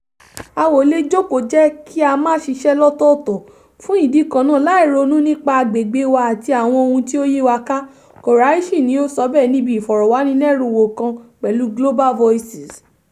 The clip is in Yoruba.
"A ò le jókòó jẹ́ kí á máa ṣiṣẹ́ lọ́tọ́ọ̀tọ̀ fún ìdí kannáà láì ronú nípa agbègbè wá àti àwọn ohun tí ó yíwa ká," Koraichi ni ó sọ bẹ́ẹ̀ níbi ìfọ̀rọ̀wánilẹ́nuwò kan pẹ̀lú Global Voices.